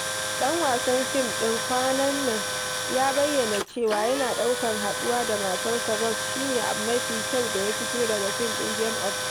Ɗan wasan fim ɗin kwana nan ya bayyana cewa yana ɗaukan haɗuwa da matarsa Rose shi ne abu mafi kyau da ya fito daga fim ɗin Game of Thrones.